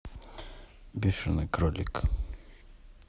бешеные кролики